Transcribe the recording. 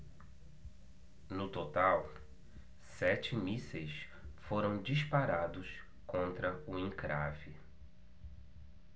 no total sete mísseis foram disparados contra o encrave